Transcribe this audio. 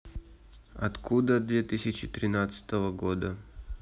откуда две тысячи тринадцатого года